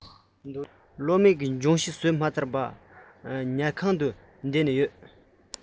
སློབ མའི སྦྱོང གཞི བཟོ བཅོས བཟོ བཅོས བྱ རྒྱུ མ ཚར བ གཟིམ ཁང དུ བསྣམས བཟོས གནང བ མ ཟད